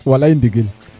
walay ndigil